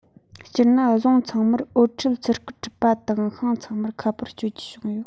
སྤྱིར ན རྫོང ཚང མར འོད འཁྲིད ཚི སྐུད འཁྲིད པ དང ཤང ཚང མར ཁ པར སྤྱོད རྒྱུ བྱུང ཡོད